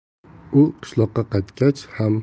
u qishloqqa qaytgach ham